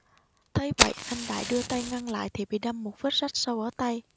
thấy vậy anh đại đưa tay ngăn lại thì bị đâm một vết rách sâu ở tay